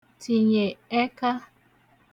tìnyè ẹka